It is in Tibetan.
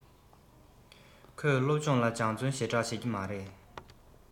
ཁོས སློབ སྦྱོང ལ སྦྱང བརྩོན ཞེ དྲགས བྱེད ཀྱི མ རེད